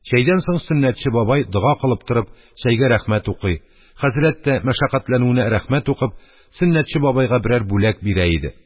Чәйдән соң Сөннәтче бабай, дога кылып торып, чәйгә рәхмәт укый, хәзрәт тә, мәшәкатьләнүенә рәхмәт укып, Сөннәтче бабайга берәр бүләк бирә иде.